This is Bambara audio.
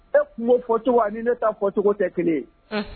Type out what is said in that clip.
E kun ko fɔcogo ani ne taa fɔcogo tɛ kelen